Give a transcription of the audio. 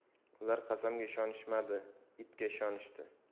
ular qasamga ishonishmadi itga ishonishdi